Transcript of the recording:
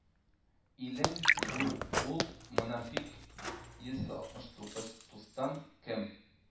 Илең йу ул монафикъ бер йөз алтмыш тугыз дустдан, кем